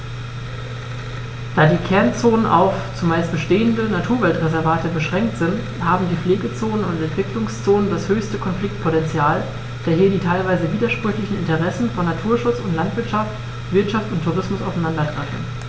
Da die Kernzonen auf – zumeist bestehende – Naturwaldreservate beschränkt sind, haben die Pflegezonen und Entwicklungszonen das höchste Konfliktpotential, da hier die teilweise widersprüchlichen Interessen von Naturschutz und Landwirtschaft, Wirtschaft und Tourismus aufeinandertreffen.